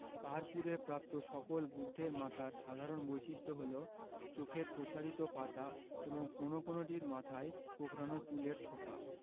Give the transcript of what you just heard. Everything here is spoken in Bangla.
পাহাড়পুরে প্রাপ্ত সকল বুদ্ধের মাথার সাধারণ বৈশিষ্ট্য হলো চোখের প্রসারিত পাতা এবং কোন কোনটির মাথায় কোকড়ানো চুলের থোকা